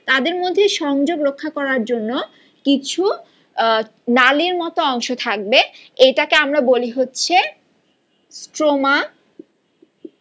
তাদের মধ্যে সংযোগ রক্ষা করার জন্য কিছু নালীর মত অংশ থাকবে এটা কে আমরা বলি হচ্ছে স্ট্রোমা